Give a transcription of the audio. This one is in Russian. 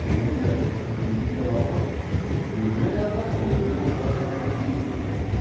У меня вертится на языке вопрос: неужели об этом он думал, проходя по Бельгии?